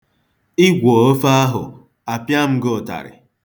Ị gwọọ ofe ahụ, apịa m gị ụtarị.